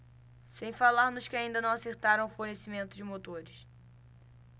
sem falar nos que ainda não acertaram o fornecimento de motores